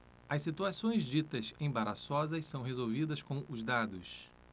as situações ditas embaraçosas são resolvidas com os dados